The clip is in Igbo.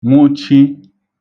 nwụchi